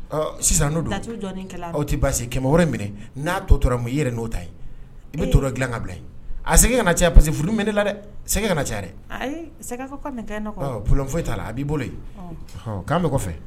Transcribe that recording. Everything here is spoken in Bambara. Sisan n' tɛ kɛmɛ minɛ n'a tɔ tora i ye n'o ta i bɛ to dila ka bila a sɛgɛ ka na caya parce f minɛ ne la dɛ sɛgɛ ka na caya dɛ sɛgɛ p foyi t'a a b'i bolo yen k'an bɛ kɔfɛ